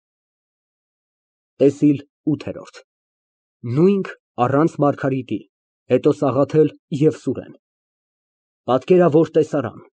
ՏԵՍԻԼ ՈՒԹԵՐՈՐԴ ՆՈՒՅՆՔ ԱՌԱՆՑ ՄԱՐԳԱՐԻՏԻ, հետո ՍԱՂԱԹԵԼ և ՍՈՒՐԵՆ Պատկերավոր տեսարան։